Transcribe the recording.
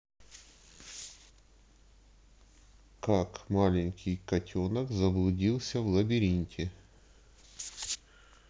как маленький котенок заблудился в лабиринте